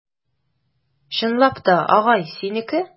Чынлап та, агай, синеке?